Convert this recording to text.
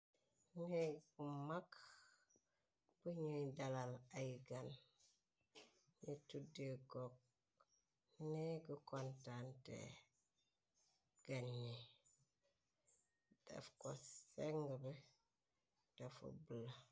Neg bu mag buñuy dalal ay gan ñi tudde gog neeg kontante gaññi daf ko seng bi dafa bola.